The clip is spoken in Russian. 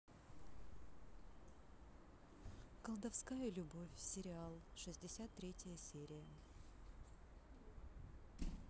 колдовская любовь сериал шестьдесят третья серия